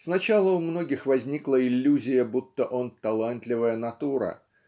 Сначала у многих возникла иллюзия, будто он - талантливая натура